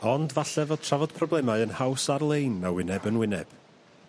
Ond falle fod trafod problemau yn haws ar-lein na wyneb yn wyneb.